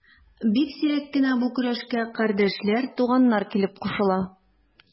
Бик сирәк кенә бу көрәшкә кардәшләр, туганнар килеп кушыла.